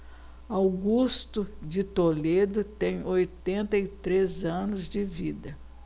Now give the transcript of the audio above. augusto de toledo tem oitenta e três anos de vida